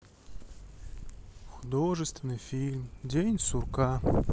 художественный фильм день сурка